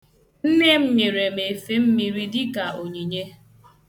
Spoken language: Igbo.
Nne m nyere m efemmiri dịka onyinye.